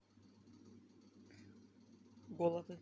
головы